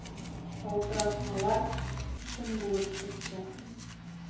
Шалтыратсалар, чын булып чыкты.